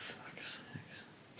Fuck sakes.